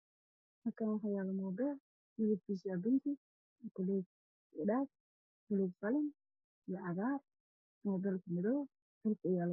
Halkaan waxaa yaalo muubeel midabkiisu uu yahay bingi, buluug, cagaar iyo qalin, muubeelka madow, dhulka uu yaalo waa cadaan.